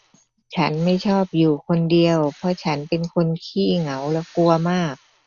ฉันไม่ชอบอยู่คนเดียวเพราะฉันเป็นคนขี้เหงาและกลัวมาก